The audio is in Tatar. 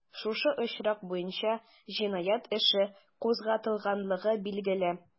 Шушы очрак буенча җинаять эше кузгатылганлыгы билгеле.